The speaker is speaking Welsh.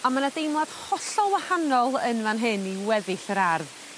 On ma' 'na deimlad hollol wahanol yn fan hyn i weddill yr ardd.